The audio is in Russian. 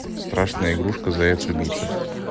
страшная игрушка заяц убийца